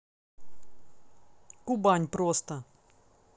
кубань просто